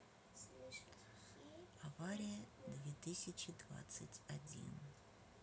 аварии две тысячи двадцать один